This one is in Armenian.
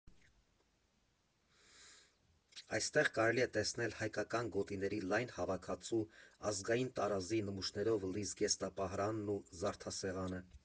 Այստեղ կարելի է տեսնել հայկական գոտիների լայն հավաքածու, ազգային տարազի նմուշներով իր զգեստապահարանն ու զարդասեղանը։